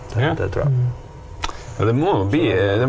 det det tror jeg så.